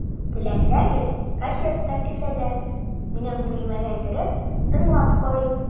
Теләсәгез, кассета кесәдә, минем бүлмәгә кереп, тыңлап карыйк.